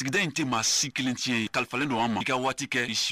Sigida in tɛ maa si kelen tiɲɛ ye. A kalifalen don an ma . I ka kɛ waati kɛ